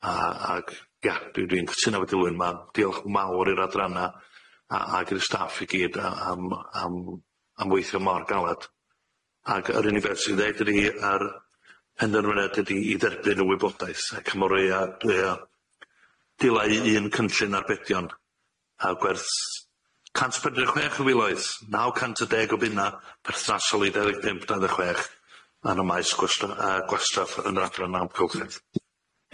A ag ia dwi dwi'n cytuno efo Dilwyn. Ma diolch mawr i'r adranna a a gyda'r staff i gyd a am am am weithio mor galad, ag yr unig beth sydd i ddeud ydi yr penderfyniad ydi i dderbyn y wybodaeth ac ma rei dila i un cynllun arbedion a gwerth cant pedwar deg chwech o filoedd naw cant a deg o bunna perthnasol i dau ddeg pump dau ddeg chwech, yn y maes gwastra- yy gwastraff yn yr adran amgylchedd.